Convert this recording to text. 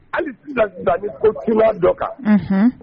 Hali sisan ko ci dɔ kan